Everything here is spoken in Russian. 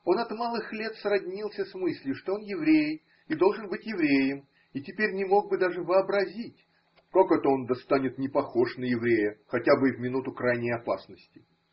Он от малых лет сроднился с мыслью, что он – еврей и должен быть евреем, и теперь не мог бы даже вообразить, как это он да станет непохож на еврея, хотя бы и в минуту крайней опасности.